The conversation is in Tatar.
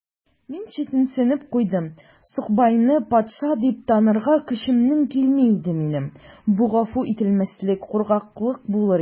Мин читенсенеп куйдым: сукбайны патша дип танырга көчемнән килми иде минем: бу гафу ителмәслек куркаклык булыр иде.